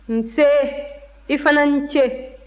nse i fana ni ce